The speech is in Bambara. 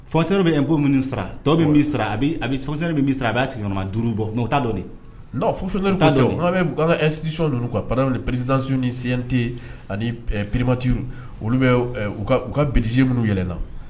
Fatɛ bɛ yen ko minnu sara dɔw mini sara a aj min sara a b'a tigɛma duuruuru bɔ n' dɔn fu taasisi don ka pp ni prezds ni sinte ani perepbatiuru olu bɛ u ka bilisisi minnu yɛlɛ na